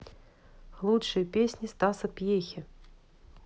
лучшие песни стаса пьехи